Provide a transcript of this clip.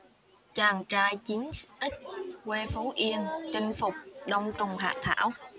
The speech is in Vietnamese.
chàng trai chín x quê phú yên chinh phục đông trùng hạ thảo